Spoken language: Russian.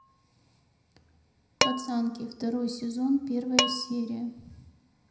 пацанки второй сезон первая серия